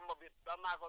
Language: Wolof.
waaw